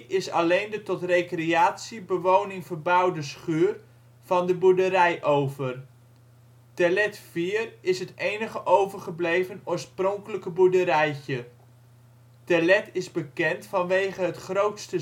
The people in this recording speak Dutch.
is alleen de tot recreatie bewoning verbouwde schuur van de boerderij over. Terlet 4 is het enige overgebleven oorspronkelijke boerderijtje. Terlet is bekend vanwege het grootste